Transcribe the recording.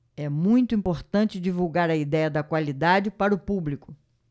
é muito importante divulgar a idéia da qualidade para o público